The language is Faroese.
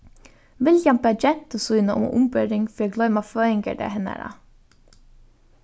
villiam bað gentu sína um umbering fyri at gloyma føðingardag hennara